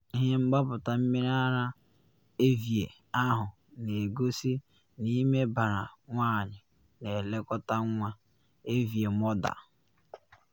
Ihe mgbapụta mmiri ara Elvie ahụ na ezo n’ime bra nwanyị na elekọta nwa (Elvie/Mother)